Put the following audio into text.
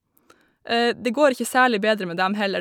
Det går ikke særlig bedre med dem heller.